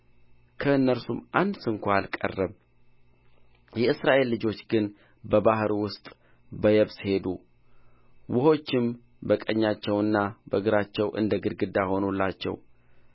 ከእነርሱም አንድ ስንኳ አልቀረም የእስራኤል ልጆች ግን በባሕሩ ውስጥ በየብስ ሄዱ ውኆችም በቀኛቸውና በግራቸው እንደ ግድግዳ ሆኑላችው